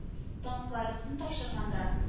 Таныкларыбызны тапшырганда